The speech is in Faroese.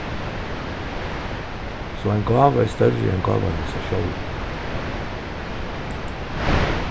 so ein gáva er størri enn gávan í sær sjálvum